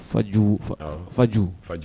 Faj fajjugu